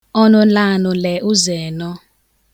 ọnụlanụ lè ụzọ̀ ènọ